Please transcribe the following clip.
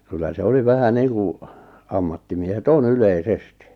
kyllä se oli vähän niin kuin ammattimiehet on yleisesti